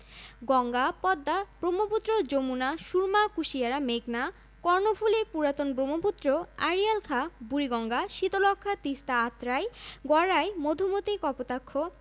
গঙ্গা পদ্মা ব্রহ্মপুত্র যমুনা সুরমা কুশিয়ারা মেঘনা কর্ণফুলি পুরাতন ব্রহ্মপুত্র আড়িয়াল খাঁ বুড়িগঙ্গা শীতলক্ষ্যা তিস্তা আত্রাই গড়াই মধুমতি কপোতাক্ষ